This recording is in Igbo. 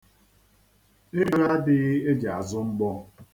Ego adịghị e ji azụ mgbọ.